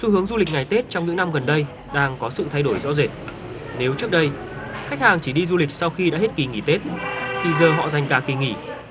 xu hướng du lịch ngày tết trong những năm gần đây đang có sự thay đổi rõ rệt nếu trước đây khách hàng chỉ đi du lịch sau khi đã hết kỳ nghỉ tết thì giờ họ dành cả kỳ nghỉ